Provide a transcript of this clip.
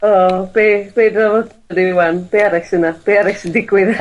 O be' be' be' arall sy 'na? Be' arall sy'n digwydd?